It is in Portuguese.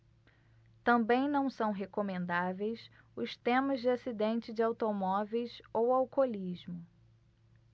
também não são recomendáveis os temas de acidentes de automóveis ou alcoolismo